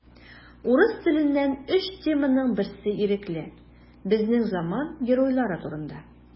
Урыс теленнән өч теманың берсе ирекле: безнең заман геройлары турында.